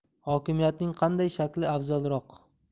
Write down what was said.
hokimiyatning qanday shakli afzalroq